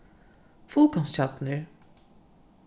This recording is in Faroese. fullkornskjarnur